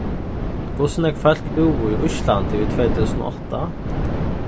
hvussu nógv fólk búðu í íslandi í tvey túsund og átta